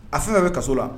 Hali sini a bɛ kaso la.